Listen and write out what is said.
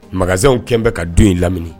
Mansa kɛlen bɛ ka don in lamini